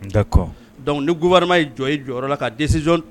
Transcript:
D'accord . Donc ni gouvernement ye i jɔ i jɔyɔrɔ ka decision .